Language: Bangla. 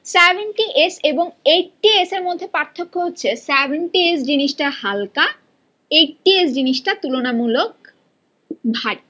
সেভেনটি এস এবং এই টি এস এর মধ্যে পার্থক্য হচ্ছে সেভেন্টি এস জিনিসটা হালকা এইট্টি এস জিনিসটা তুলনামূলক ভারী